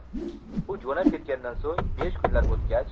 u jo'nab ketgandan so'ng besh kunlar o'tgach